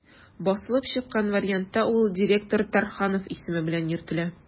Басылып чыккан вариантта ул «директор Тарханов» исеме белән йөртелә.